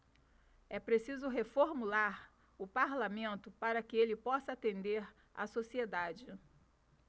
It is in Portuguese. é preciso reformular o parlamento para que ele possa atender a sociedade